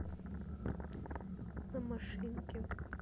на машинки